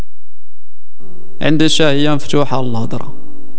عندي شهيه مفتوحه